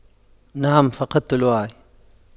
نعم فقدت الوعي